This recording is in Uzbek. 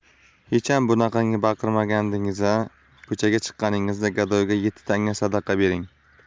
hecham bunaqangi baqirmovdingiz a ko'chaga chiqqaningizda gadoyga yetti tanga sadaqa bering